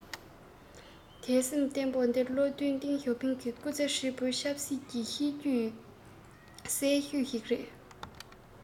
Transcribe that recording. དད སེམས བརྟན པོ དེ བློ མཐུན ཏེང ཞའོ ཕིང གི སྐུ ཚེ ཧྲིལ པོའི ཆབ སྲིད ཀྱི གཤིས རྒྱུད གསལ ཤོས ཤིག རེད ལ